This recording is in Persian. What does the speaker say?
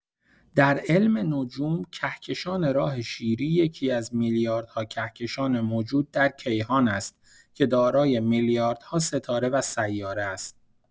در علم نجوم، کهکشان راه‌شیری یکی‌از میلیاردها کهکشان موجود در کیهان است که دارای میلیاردها ستاره و سیاره است.